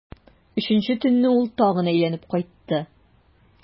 Өченче төнне ул тагын әйләнеп кайтты.